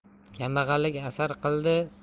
kambag'allik asar qildi